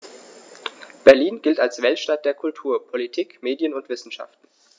Berlin gilt als Weltstadt der Kultur, Politik, Medien und Wissenschaften.